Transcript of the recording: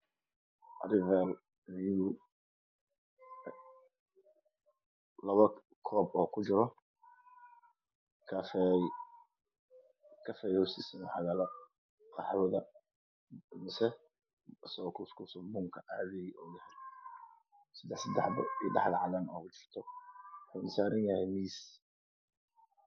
Labo koob oo kujira kafay. Kafayga hoostiisana waxaa yaalo qaxwada ama asagoo kuuskuus kafayga seddex seddex xabo oo dhexda caleen oga jirto. Waxa uu saaran yahay miis.